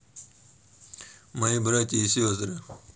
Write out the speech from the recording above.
мои братья и сестры